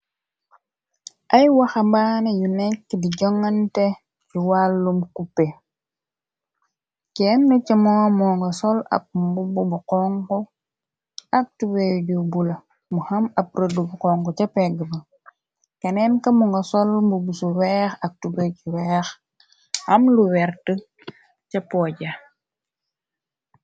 Ay waxam mbaane yu nekk di jongante ci wàllum kupe kenn camo mo nga sol ab mbubu bu ong ak tube ju bu la mu xam ab rëdd bu xong ca pegg bi keneen ka mu nga sol mbub su weex ak tubee ju weex am lu werta ca pooja.